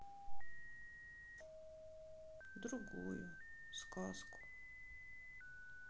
другую сказку